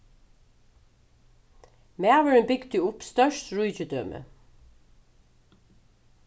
maðurin bygdi upp stórt ríkidømi